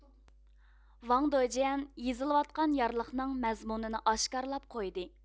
ۋاڭ دېجيەن يېزىلىۋاتقان يارلىقنىڭ مەزمۇننى ئاشكارلاپ قويدى